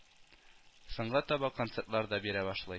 Соңга таба концертлар да бирә башлый